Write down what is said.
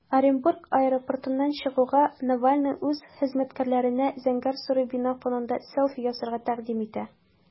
Оренбург аэропортыннан чыгуга, Навальный үз хезмәткәрләренә зәңгәр-соры бина фонында селфи ясарга тәкъдим итә.